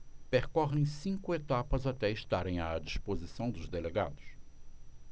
percorrem cinco etapas até estarem à disposição dos delegados